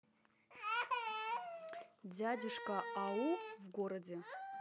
дядюшка ау в городе